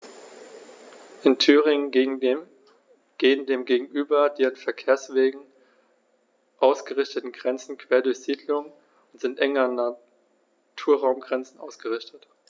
In Thüringen gehen dem gegenüber die an Verkehrswegen ausgerichteten Grenzen quer durch Siedlungen und sind eng an Naturraumgrenzen ausgerichtet.